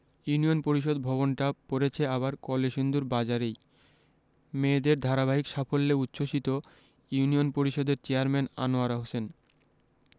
union Parishad ভবনটা পড়েছে আবার কলসিন্দুর বাজারেই মেয়েদের ধারাবাহিক সাফল্যে উচ্ছ্বসিত ইউনিয়ন পরিষদের চেয়ারম্যান আনোয়ারা হোসেন